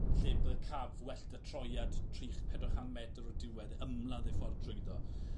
Lle bydde Cav well 'da troiad tr ch- pedwar chan metr o'r diwedd ymladd ei ffordd trwyddo.